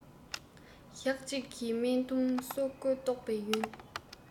ཞག གཅིག གི རྨི ཐུང སེ གོལ གཏོག པའི ཡུན